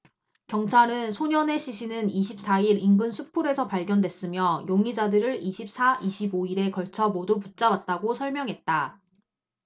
경찰은 소년의 시신은 이십 사 일 인근 수풀에서 발견됐으며 용의자들을 이십 사 이십 오 일에 걸쳐 모두 붙잡았다고 설명했다